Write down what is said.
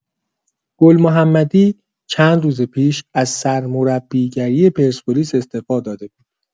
گل‌محمدی چند روز پیش از سرمربیگری پرسپولیس استعفا داده بود.